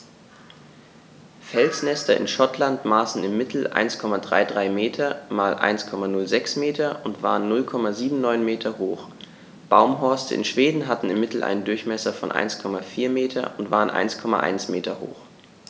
Felsnester in Schottland maßen im Mittel 1,33 m x 1,06 m und waren 0,79 m hoch, Baumhorste in Schweden hatten im Mittel einen Durchmesser von 1,4 m und waren 1,1 m hoch.